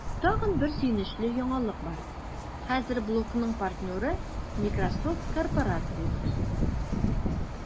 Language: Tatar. Тагын бер сөенечле яңалык бар: хәзер блогның партнеры – Miсrosoft корпорациясе!